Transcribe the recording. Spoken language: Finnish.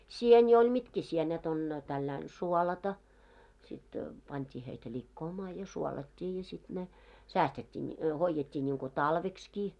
sieni oli mitkä sienet on tällä lailla suolata sitten pantiin heitä likoamaan ja suolattiin ja sitten ne säästettiin - hoidettiin niin kuin talveksikin